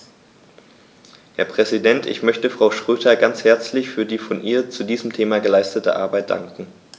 Herr Präsident, ich möchte Frau Schroedter ganz herzlich für die von ihr zu diesem Thema geleistete Arbeit danken.